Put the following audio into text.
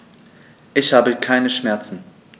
Ich habe keine Schmerzen.